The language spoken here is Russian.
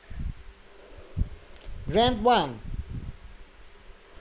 grand ван